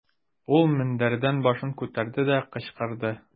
Ул мендәрдән башын күтәрде дә, кычкырды.